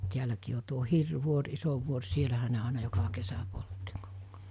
täälläkin on tuo Hirvivuori iso vuori siellähän ne aina joka kesä poltti -